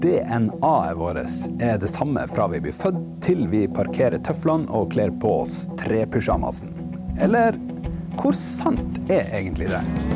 DNA-et vårt er det same frå vi blir fødde til vi parkerer tøflane og kler på oss trepyjamasen, eller kor sant er eigentleg det?